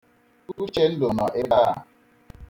Uchendụ nọ ebe a.